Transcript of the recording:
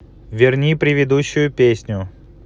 верни предыдущую песню